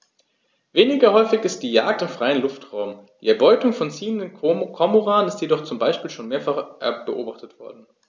Weniger häufig ist die Jagd im freien Luftraum; die Erbeutung von ziehenden Kormoranen ist jedoch zum Beispiel schon mehrfach beobachtet worden.